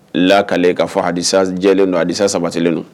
Lakale ka' fɔ hadisa jɛlen don, hadisa sabatilen don.